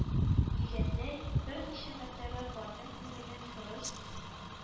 Дигәндәй, берничә мәртәбә картның күңелен кырыс,